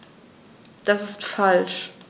Das ist falsch.